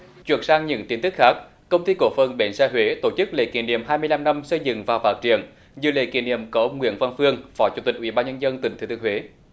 chuyển sang những tin tức khác công ty cổ phần bến xe huế tổ chức lễ kỷ niệm hai mươi lăm năm xây dựng và phát triển dự lễ kỷ niệm có ông nguyễn văn phương phó chủ tịch ủy ban nhân dân tỉnh thừa thiên huế